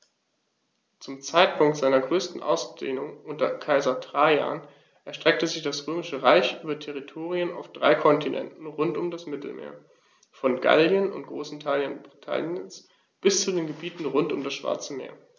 Zum Zeitpunkt seiner größten Ausdehnung unter Kaiser Trajan erstreckte sich das Römische Reich über Territorien auf drei Kontinenten rund um das Mittelmeer: Von Gallien und großen Teilen Britanniens bis zu den Gebieten rund um das Schwarze Meer.